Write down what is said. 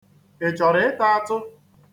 Ị chọrọ ịta atụ?